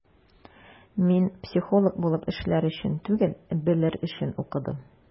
Мин психолог булып эшләр өчен түгел, белер өчен укыдым.